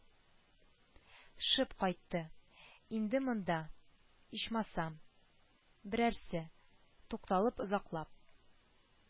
Шып кайтты, инде монда, ичмасам, берәрсе, тукталып озаклап